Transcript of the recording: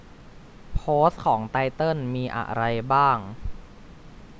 โพสต์ของไตเติ้ลมีอะไรบ้าง